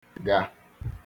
ga